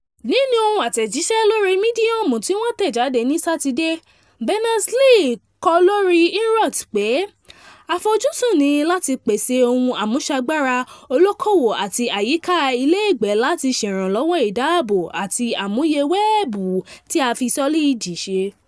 Ní 1994, Berners-Lee tí Ítánẹ̀ẹ̀tì padà nígbàtí ó dá ilé iṣẹ́ wẹ́ẹ̀bù ayélujára sílẹ̀ ní ilé ẹ̀kọ́ ìmọ̀ ẹ̀rọ ní Massachusetts.